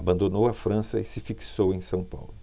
abandonou a frança e se fixou em são paulo